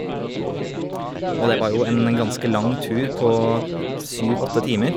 Og det var jo en ganske lang tur på t syv åtte timer.